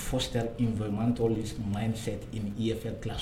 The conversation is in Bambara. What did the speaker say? Fo sera fɛmantɔ ma in fɛfɛ dilan